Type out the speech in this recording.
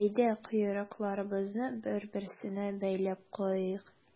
Әйдә, койрыкларыбызны бер-берсенә бәйләп куйыйк.